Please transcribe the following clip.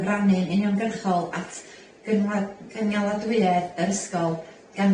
gyfrannu'n uniongyrchol at gynwa- cyngaladwyedd yr ysgol gan gynnig